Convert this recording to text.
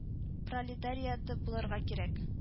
Пролетариаты булырга кирәк